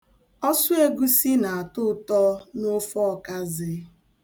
Ọsụegusi na-atọ ụtọ n'ofe ọkazị.